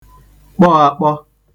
kpọ akpọ